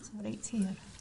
So ma' reit hir.